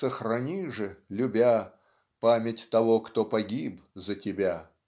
Сохрани же, любя, Память того, кто погиб за тебя.